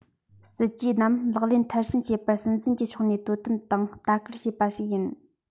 སྲིད ཇུས རྣམས ལག ལེན མཐར ཕྱིན བྱེད པར སྲིད འཛིན གྱི ཕྱོགས ནས དོ དམ དང ལྟ སྐུར བྱེད པ ཞིག ཡིན